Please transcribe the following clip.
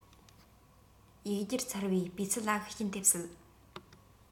ཡིག སྒྱུར ཚར བའི སྤུས ཚད ལ ཤུགས རྐྱེན ཐེབས སྲིད